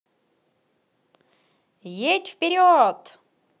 еть вперед